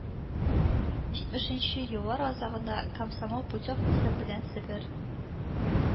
Җитмешенче еллар азагында комсомол путевкасы белән себер